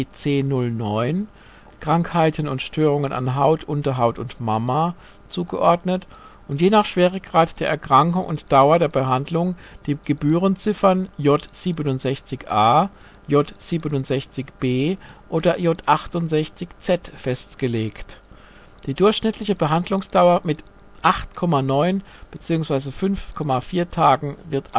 MDC09 (Krankheiten und Störungen an Haut, Unterhaut und Mamma) zugeordnet und je nach Schweregrad der Erkrankung und Dauer der Behandlung die Gebührenziffern J67A, J67B oder J68Z festgelegt. Die durchschnittliche Behandlungdauer wird mit 8,9 bzw. 5,4 Tagen angegeben